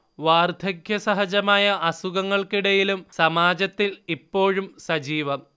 വാർധക്യസഹജമായ അസുഖങ്ങൾക്കിടയിലും സമാജത്തിൽ ഇപ്പോഴും സജീവം